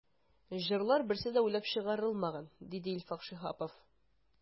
“җырлар берсе дә уйлап чыгарылмаган”, диде илфак шиһапов.